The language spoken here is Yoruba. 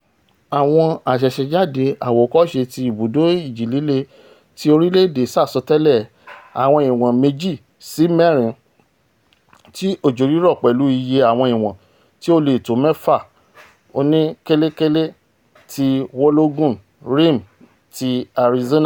Àwọn àṣẹ̀ṣẹ̀jáde àwòkọ́ṣe ti Ibùdó Ìjì-líle ti orílẹ̀-èdè ṣàsọtẹ́lẹ̀ àwọn ìwọn 2 sí 4 ti òjò-rírọ, pẹ̀lú iye àwọn ìwọn tí ó le tó 6 oníkéle-kèle ní Mologon Rim ti Arizona.